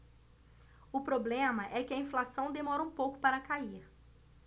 o problema é que a inflação demora um pouco para cair